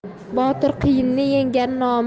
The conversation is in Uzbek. botir qiyinni yengar